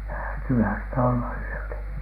häätyyhän sitä olla yötä